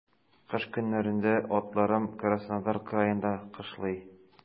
Кыш көннәрендә атларым Краснодар краенда кышлый.